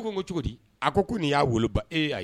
Ko ko cogo di a ko nin y'a wolo